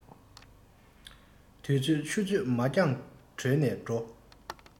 དུས ཚོད ཆུ ཚོད མ འགྱངས གྲོལ ནས འགྲོ